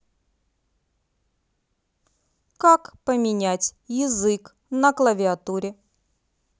как поменять язык на клавиатуре